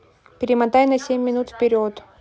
перемотай на семь минут вперед